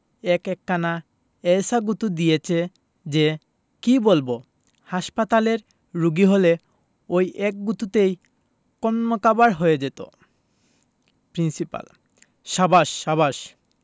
এক একখানা এ্যায়সা গুঁতো দিয়েছে যে কি বলব হাসপাতালের রোগী হলে ঐ এক গুঁতোতেই কন্মকাবার হয়ে যেত প্রিন্সিপাল সাবাস সাবাস